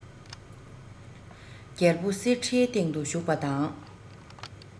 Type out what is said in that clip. རྒྱལ པོ གསེར ཁྲིའི སྟེང དུ བཞུགས པ དང